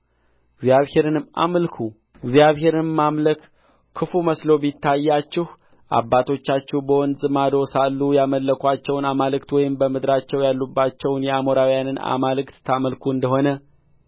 እግዚአብሔርንም አምልኩ እግዚአብሔርንም ማምለክ ክፉ መስሎ ቢታያችሁ አባቶቻችሁ በወንዝ ማዶ ሳሉ ያመለኩአቸውን አማልክት ወይም በምድራቸው ያላችሁባቸውን የአሞራውያንን አማልክት ታመልኩ እንደ ሆነ